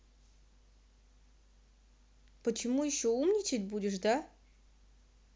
почему еще умничать будешь да